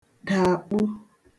dàkpu